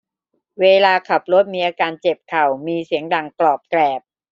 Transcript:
เวลาขับรถมีอาการเจ็บเข่ามีเสียงดังกรอบแกรบ